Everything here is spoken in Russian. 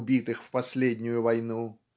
убитых в последнюю войну.